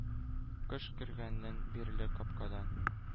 Кыш кергәннән бирле капкадан,